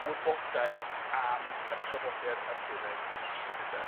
wybodaeth am y traddodiad Arthuraidd a phosib, ynde?